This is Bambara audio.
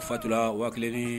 Faatu la wa 1